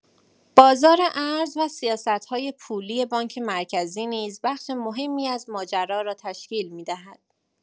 بازار ارز و سیاست‌های پولی بانک مرکزی نیز بخش مهمی از ماجرا را تشکیل می‌دهد.